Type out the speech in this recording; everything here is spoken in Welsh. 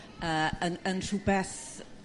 yr yn yn rh'wbeth